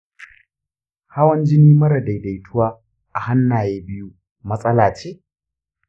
hawan jini mara daidaituwa a hannaye biyu matsala ce?